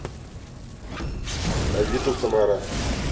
авито самара